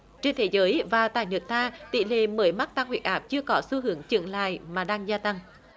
trên thế giới và tại nước ta tỷ lệ mới mắc tăng huyết áp chưa có xu hướng chững lại mà đang gia tăng